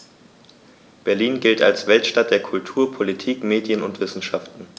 Berlin gilt als Weltstadt der Kultur, Politik, Medien und Wissenschaften.